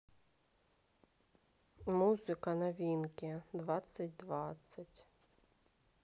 музыка новинки двадцать двадцать